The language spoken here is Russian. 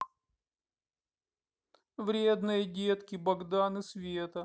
вредные детки богдан и света